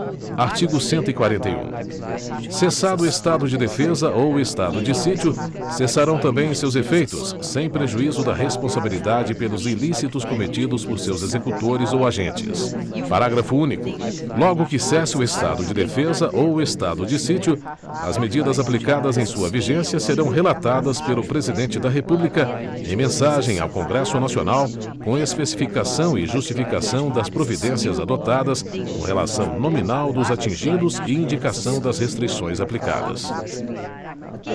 artigo cento e quarenta e um cessado o estado de defesa ou o estado de sítio cessarão também seus efeitos sem prejuízo da responsabilidade pelos ilícitos cometidos por seus executores ou agentes parágrafo único logo que cesse o estado de defesa ou o estado de sítio as medidas aplicadas em sua vigência serão relatadas pelo presidente da república em mensagem ao congresso nacional com especificação e justificação das providências adotadas com relação nominal dos atingidos e indicação das restrições aplicadas